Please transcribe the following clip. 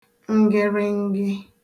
ngịrịngị